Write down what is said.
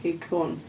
I cŵn.